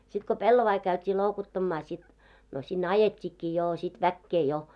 sitten kun pellavia käytiin loukuttamaan sitten no sinne ajettiinkin jo sitten väkeä jo